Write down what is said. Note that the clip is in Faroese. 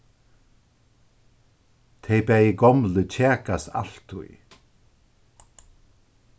tey bæði gomlu kjakast altíð